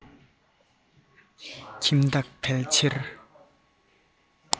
ཁྱིམ བདག ཕལ ཆེར